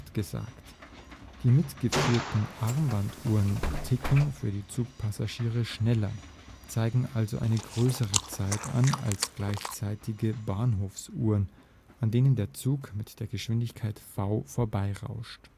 gesagt: Die mitgeführten Armbanduhren „ ticken “für die Zugpassagiere schneller (zeigen also eine größere Zeit an) als gleichartige Bahnhofsuhren, an denen der Zug mit Geschwindigkeit v vorbeirauscht